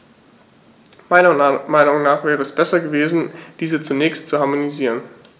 Meiner Meinung nach wäre es besser gewesen, diese zunächst zu harmonisieren.